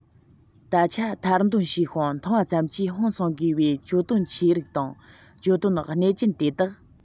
ད ཆ ཐེར འདོན བྱས ཤིང མཐོང བ ཙམ གྱིས ཧང སངས དགོས པའི གྱོད དོན ཆེ རིགས དང གྱོད དོན གནད ཅན དེ དག